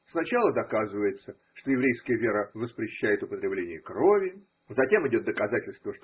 Сначала доказывается, что еврейская вера воспрещает употребление крови: затем идет доказательство.